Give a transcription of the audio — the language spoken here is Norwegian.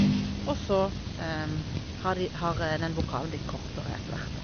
Og så har de har den vokalen blitt kortere etter hvert, da.